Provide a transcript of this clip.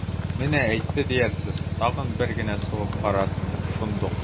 Менә әйтте диярсез, тагын бер генә сугып карасын, шундук...